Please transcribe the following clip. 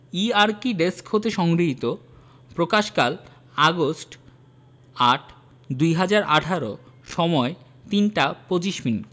ইআরকি desk হতে সংগৃহীতপ্রকাশকালঃ August ৮ ২০১৮ সময়ঃ ৩টা ২৫ মিনিট